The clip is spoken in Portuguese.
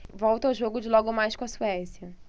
volto ao jogo de logo mais com a suécia